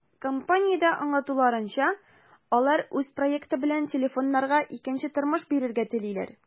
Компаниядә аңлатуларынча, алар үз проекты белән телефоннарга икенче тормыш бирергә телиләр.